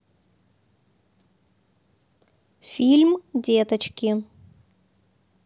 фильм деточки